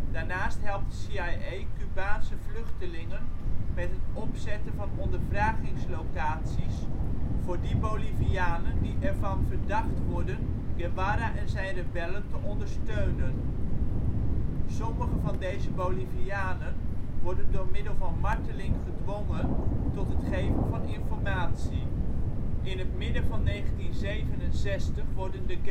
Daarnaast helpt de CIA Cubaanse vluchtelingen met het opzetten van ondervragingslocaties voor die Bolivianen die er van verdacht worden Guevara en zijn rebellen te ondersteunen. Sommige van deze Bolivianen worden door middel van marteling gedwongen tot het geven van informatie. In het midden van 1967 worden de